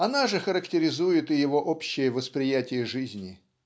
она же характеризует и его общее восприятие жизни.